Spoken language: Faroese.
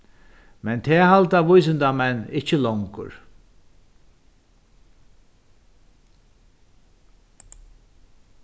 men tað halda vísindamenn ikki longur